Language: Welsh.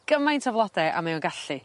gymaint o flode a mae o'n gallu.